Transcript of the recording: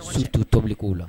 Si t' tobili k'o la